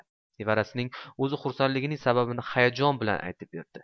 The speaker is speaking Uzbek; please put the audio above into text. nevarasining o'zi xursandchiligining sababini hayajon bilan aytib berdi